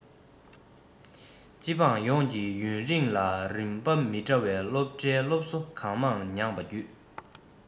སྤྱི འབངས ཡོངས ཀྱིས ཡུན རིང ལ རིམ པ མི འདྲ བའི སློབ གྲྭའི སློབ གསོ གང མང མྱངས པ བརྒྱུད